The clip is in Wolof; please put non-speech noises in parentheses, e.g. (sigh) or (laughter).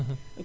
(hesitation) (hesitation)